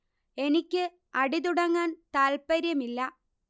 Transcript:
എനിക്ക് അടി തുടങ്ങാൻ താല്പര്യം ഇല്ല